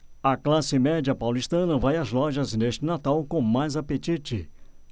a classe média paulistana vai às lojas neste natal com mais apetite